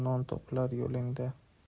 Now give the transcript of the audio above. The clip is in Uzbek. non topilar yo'lingda